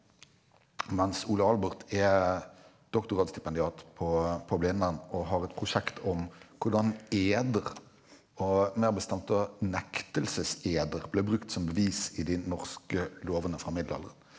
mens Ole Albert er doktorgradsstipendiat på på Blindern og har et prosjekt om hvordan eder og mer bestemte nektelseseder ble brukt som bevis i de norske lovene fra middelalderen.